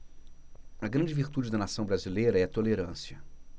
a grande virtude da nação brasileira é a tolerância